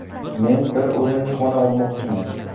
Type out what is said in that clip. men bir o'rinli xona olmoqchiman